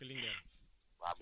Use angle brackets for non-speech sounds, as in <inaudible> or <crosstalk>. bi nekk <noise> Linguère